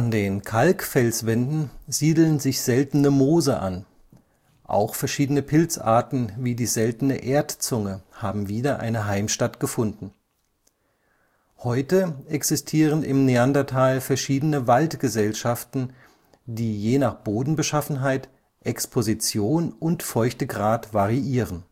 den Kalkfelswänden siedeln sich seltene Moose an, auch verschiedene Pilzarten, wie die seltene Erdzunge, haben wieder eine Heimstatt gefunden. Heute existieren im Neandertal verschiedene Waldgesellschaften, die je nach Bodenbeschaffenheit, Exposition und Feuchtegrad variieren